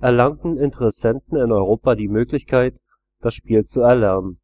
erlangten Interessenten in Europa die Möglichkeit, das Spiel zu erlernen